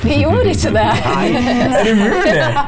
vi gjorde ikke det .